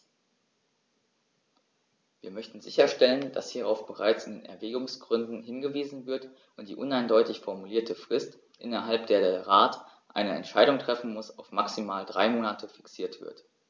Wir möchten sicherstellen, dass hierauf bereits in den Erwägungsgründen hingewiesen wird und die uneindeutig formulierte Frist, innerhalb der der Rat eine Entscheidung treffen muss, auf maximal drei Monate fixiert wird.